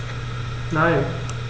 Nein.